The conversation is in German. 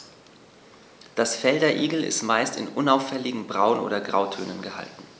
Das Fell der Igel ist meist in unauffälligen Braun- oder Grautönen gehalten.